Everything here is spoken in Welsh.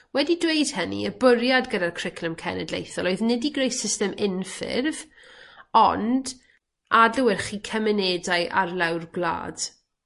Wedi dweud hynny y bwriad gyda'r cwricwlwm cenedlaethol oedd nid i greu system unffurf ond adlewyrchu cymunedau ar lawr gwlad.